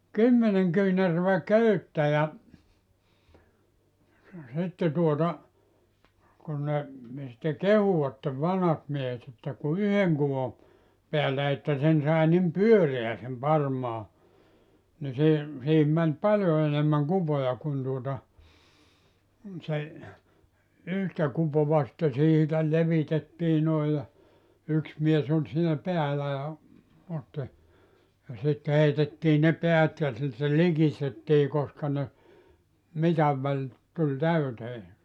kymmenen kyynärää köyttä ja sitten tuota kun ne sitten kehuivat vanhat miehet että kun yhden kuvon päällä että sen sai niin pyöreän sen parmaan niin se siihen meni paljon enemmän kupoja kun tuota se yhtä kupoa sitten siitä levitettiin noin ja yksi mies oli siinä päällä ja otti ja sitten heitettiin ne päät ja sitten likistettiin koska ne mitan väli tuli täyteen